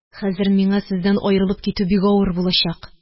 Хәзер миңа сездән аерылып китү бик авыр булачак